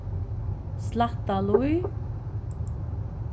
slættalíð